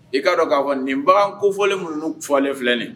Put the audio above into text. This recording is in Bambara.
I k ka'a dɔn k'a fɔ nin bagan kofɔlen minnu fɔlen filɛlen